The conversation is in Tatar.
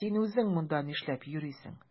Син үзең монда нишләп йөрисең?